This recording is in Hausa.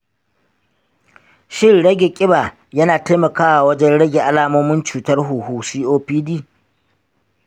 shin rage kiba yana taimakawa wajen rage alamomin cutar huhu copd?